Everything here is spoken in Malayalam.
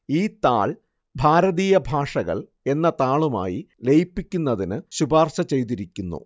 ഈ താൾ ഭാരതീയ ഭാഷകൾ എന്ന താളുമായി ലയിപ്പിക്കുന്നതിന് ശുപാർശ ചെയ്തിരിക്കുന്നു